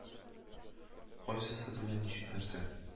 Кайсысы белән ничек, нәрсә